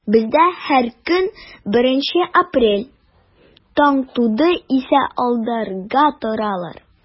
Бездә һәр көн беренче апрель, таң туды исә алдарга торалар.